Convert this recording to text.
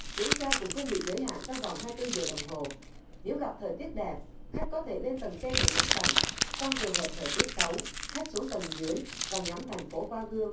xuống xe cũng không bị giới hạn trong vòng hai tư giờ đồng hồ nếu gặp thời tiết đẹp khách có thể lên tầng trên để ngắm cảnh trong trường hợp thời tiết xấu khách xuống tầng dưới và ngắm thành phố qua gương